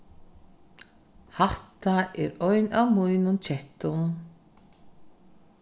hatta er ein av mínum kettum